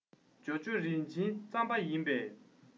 ཇོ ཇོ རིན ཆེན རྩམ པ ཡིན པས